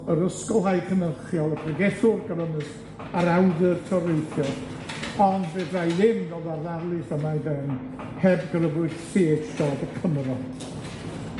yr ysgolhaig cynyrchiol, y pregethwr byrlymus a'r awdur toreithiol, ond fedrai ddim ddod a'r ddarlith yma i ben heb grybwyll See Haitch Dodd y Cymro